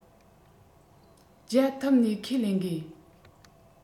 བརྒྱ ཐུབ ནས ཁས ལེན དགོས